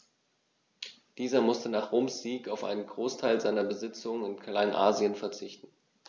Dieser musste nach Roms Sieg auf einen Großteil seiner Besitzungen in Kleinasien verzichten.